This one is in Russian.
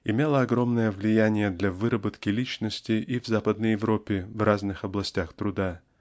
имела огромное влияние для выработки личности и в Западной Европе в разных областях труда